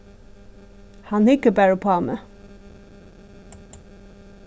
hann hyggur bara uppá meg